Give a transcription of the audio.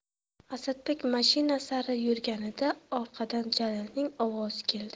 asadbek mashina sari yurganida orqadan jalilning ovozi keldi